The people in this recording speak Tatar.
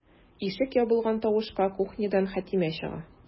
Ишек ябылган тавышка кухнядан Хәтимә чыга.